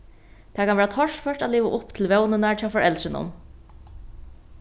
tað kann vera torført at liva upp til vónirnar hjá foreldrunum